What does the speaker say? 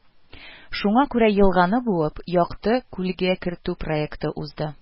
Шуңа күрә елганы буып, Якты күлгә кертү проекты узды